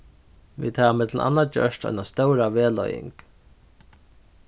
vit hava millum annað gjørt eina stóra vegleiðing